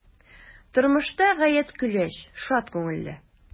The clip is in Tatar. Тормышта гаять көләч, шат күңелле.